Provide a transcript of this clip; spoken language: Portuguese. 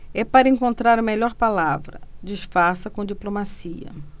é para encontrar a melhor palavra disfarça com diplomacia